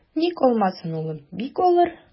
Ник алмасын, улым, бик алыр.